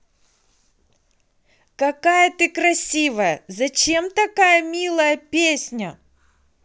какая ты красивая зачем такая милая песня